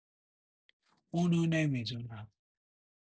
اونو نمی‌دونم